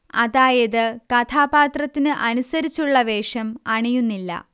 അതായത് കഥാപാത്രത്തിനു അനുസരിച്ചുള്ള വേഷം അണിയുന്നില്ല